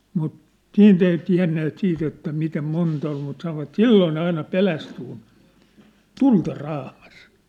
mutta siitä ei tienneet siitä että miten monta oli mutta sanoivat silloin ne aina pelästyi kun tulta raamaisi